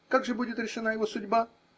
Как же будет решена его судьба?